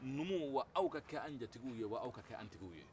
numuw wa aw ka kɛ an jatigi ye wa aw ka kɛ an tigi ye